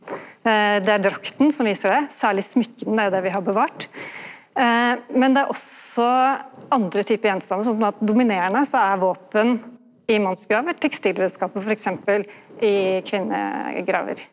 det er drakta som viser det, særleg smykka, det er jo det vi har bevart, men det er også andre typar gjenstandar sånn som at dominerande så er våpen i mannsgraver tekstilreiskapar f.eks. i kvinnegraver.